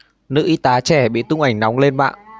nữ y tá trẻ bị tung ảnh nóng lên mạng